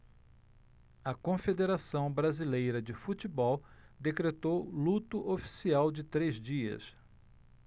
a confederação brasileira de futebol decretou luto oficial de três dias